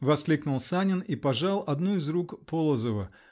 -- воскликнул Санин и пожал одну из рук Полозова